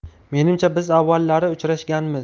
menimcha biz avvallari uchrashganmiz